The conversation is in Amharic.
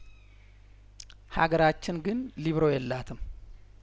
ሀገራችን ግን ሊብሮ የላትም